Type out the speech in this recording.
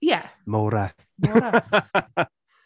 Ie... Maura... Maura.